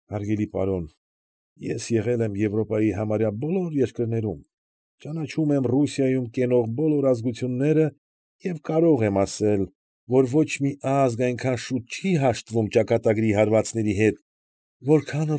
Հարգելի պարոն, ես եղել եմ Եվրոպայի համարյա բոլոր երկրներում, ճանաչում եմ Ռուսիայում կենող բոլոր ազգությունները և կարող եմ ասել, որ ոչ մի ազգ այնքան շուտ չի հաշտվում ճակատագրի հարվածների հետ, որքան։